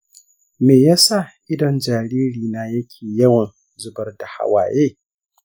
me ya sa idon jaririna yake yawan zubar da hawaye?